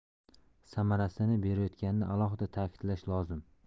samarasini berayotganini alohida ta'kidlash lozim